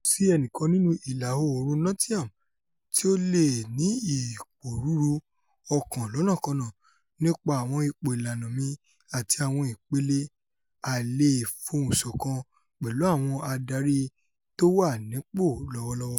Kòsí ẹnikan nínú Ìla-oòrùn Nottingham tí ó leè ní ìpòrúùru ọkàn lọ́nàkọnà nípa àwọn ipò ìlànà mi àti àwọn ipele àìleèfohùnṣọ̀kan pẹ̀lú àwọn adàri tówànípò lọ́wọ́lọ́wọ́.